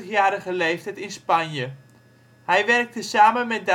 86-jarige leeftijd in Spanje. Hij werkte samen met